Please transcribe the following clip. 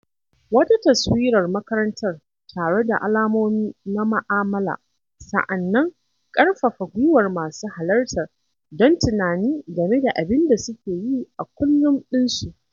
Wata taswirar makarantar, tare da alamomi na ma’amala, sa’an nan ƙarfafa gwiwar masu halartar don tunani game da abin da suke yi a kullum ɗinsu.